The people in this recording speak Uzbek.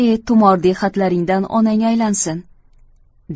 e e tumordek xatlaringdan onang aylansin